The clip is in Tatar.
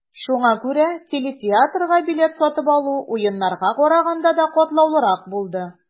Шуңа күрә телетеатрга билет сатып алу, Уеннарга караганда да катлаулырак булды.